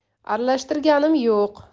aralashtirganim yo'q